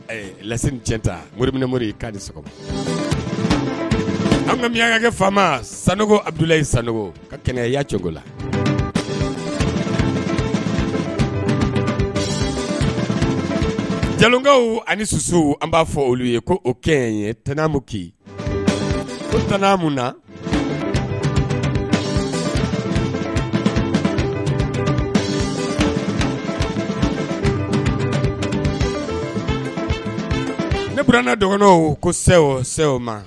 La cɛn ta mori minɛmo moriri k'a di an ka miyankɛ fa sandu san ka kɛnɛyaya cogo la jakaw ani su an b'a fɔ olu ye ko o kɛ ye tanmu ke ko t' mun na ne bɔrana dɔgɔnin ko se o se o ma